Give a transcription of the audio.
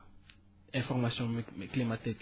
information mét climatique bi